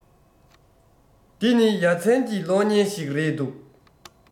འདི ནི ཡ ཚན གྱི གློག སྙན ཞིག རེད འདུག